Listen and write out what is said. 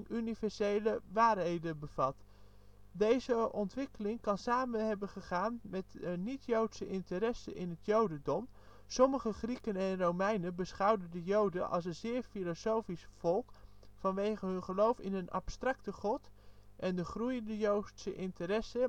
universele waarheden bevat. Deze ontwikkeling kan samen hebben gegaan met de niet-joodse interesse in het jodendom (sommige Grieken en Romeinen beschouwden de joden als een zeer " filosofisch " volk vanwege hun geloof in een abstracte god) en de groeiende joodse interesse